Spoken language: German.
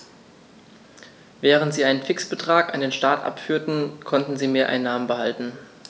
Während sie einen Fixbetrag an den Staat abführten, konnten sie Mehreinnahmen behalten.